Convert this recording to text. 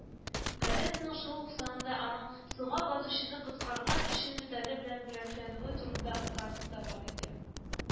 Газетаның шул ук санында аның «Суга батучыны коткарган өчен» медале белән бүләкләнүе турында указ да бар иде